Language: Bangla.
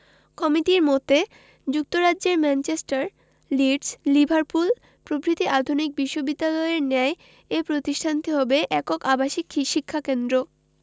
কমিটির মতে যুক্তরাজ্যের ম্যানচেস্টার লিডস লিভারপুল প্রভৃতি আধুনিক বিশ্ববিদ্যালয়ের ন্যায় এ প্রতিষ্ঠানটি হবে একক আবাসিক শিক্ষাক্ষেত্র